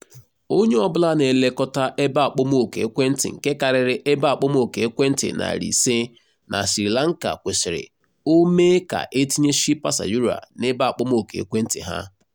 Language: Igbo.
Onye ọbụla na-elekọta ebe akpomuoku ekwentị nke karịrị ebe akpomuoku ekwentị 500 na Sri Lanka kwesịrị o mee ka etinye Shilpa Sayura n'ebe akpomuoku ekwentị ha.